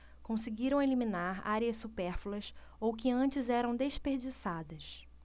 conseguiram eliminar áreas supérfluas ou que antes eram desperdiçadas